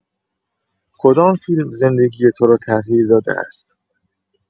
کدام فیلم زندگی تو را تغییر داده است؟